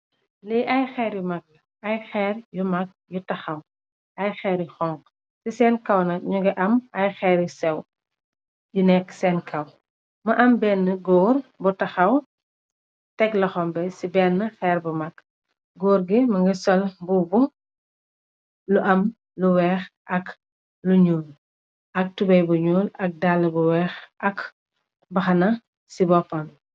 Li ay heer yu maag ay heer yu maag yu taxaw ay heer yu xonxu si sen kaw nyugi am ay heer yu chew yu neka sen kaw mo am bena goor bu tahaw teck loxom bi si bena heer bu maag goor bi mogi sol mbubu lu am lu weex ak lu nuul ak tubai bu nuul ak daala bu week ak mbahana si mbopam.